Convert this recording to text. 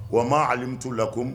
Wa ma alimutuu la ko